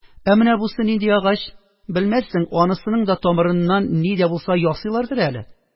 – ә менә бусы нинди агач? белмәссең, анысының да тамырыннан ни дә булса ясыйлардыр әле?